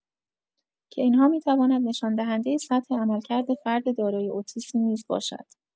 که این‌ها می‌تواند نشان‌دهنده سطح عملکرد فرد دارای اتیسم نیز باشد.